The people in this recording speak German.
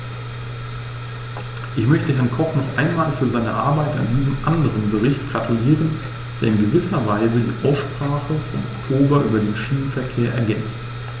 Ich möchte Herrn Koch noch einmal für seine Arbeit an diesem anderen Bericht gratulieren, der in gewisser Weise die Aussprache vom Oktober über den Schienenverkehr ergänzt.